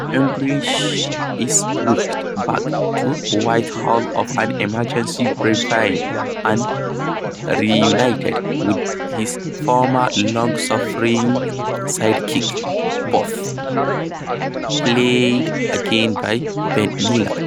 English is whisked back to Whitehall for an emergency briefing and reunited with his former long-suffering sidekick Bough, played again by Ben Miller.